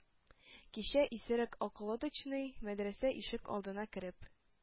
Кичә исерек околодочный мәдрәсә ишек алдына кереп,